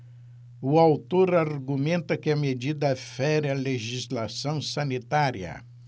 o autor argumenta que a medida fere a legislação sanitária